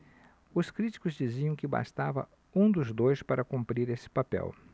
os críticos diziam que bastava um dos dois para cumprir esse papel